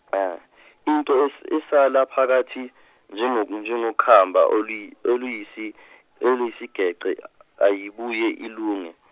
into es- eselaphakathi, njengo- njengo khamba oluy- oluyisi- , oluyisigece a ayibuye ilunge.